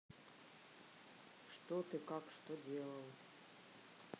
что ты как что сделал